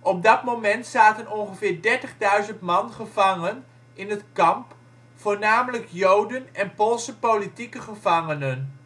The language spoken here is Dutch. Op dat moment zaten ongeveer 30 000 man gevangen in het kamp, voornamelijk Joden en Poolse politieke gevangenen